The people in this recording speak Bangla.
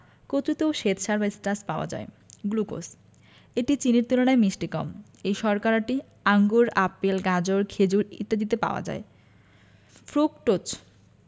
কচুতেও শ্বেতসার বা স্টাচ পাওয়া যায় গ্লুকোজ এটি চিনির তুলনায় মিষ্টি কম এই শর্করাটি আঙুর আপেল গাজর খেজুর ইত্যাদিতে পাওয়া যায় ফ্রুকটোজ